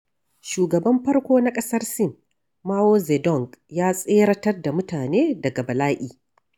Shugaban farko na ƙasar Sin, Mao Zedong ya tseratar da mutane daga bala'i.